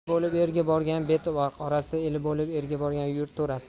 eri bo'lib erga borgan bet qorasi eli bo'lib elga borgan yurt to'rasi